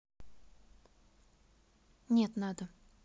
нет надо